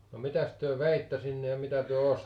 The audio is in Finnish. no mitäs te veitte sinne ja mitä te ostitte